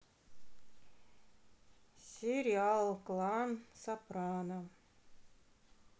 сериал клан сопрано